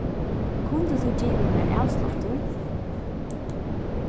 kundi tú givið mær avsláttur